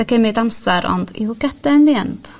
neith o gymyd amsar ond you'll get there in the end.